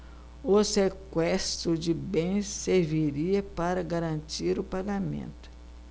o sequestro de bens serviria para garantir o pagamento